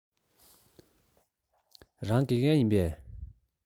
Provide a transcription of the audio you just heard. རང དགེ རྒན ཡིན པས